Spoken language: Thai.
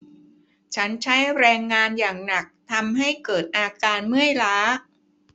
ฉันใช้แรงงานอย่างหนักทำให้เกิดอาการเมื่อยล้า